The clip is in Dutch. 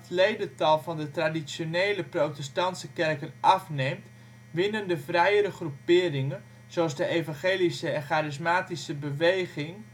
ledental van de traditionele protestante kerken afneemt, terwijl de vrijere groeperingen zoals de evangelische en charismatische beweging